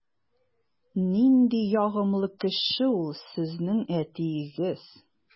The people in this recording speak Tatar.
Нинди ягымлы кеше ул сезнең әтиегез!